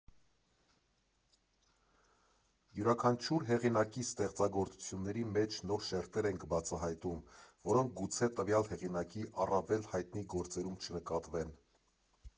Յուրաքանչյուր հեղինակի ստեղծագործությունների մեջ նոր շերտեր ենք բացահայտում, որոնք գուցե տվյալ հեղինակի առավել հայտնի գործերում չնկատվեն։